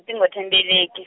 dziṱhingo thendeleki.